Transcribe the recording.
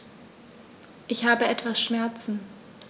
Ich habe etwas Schmerzen.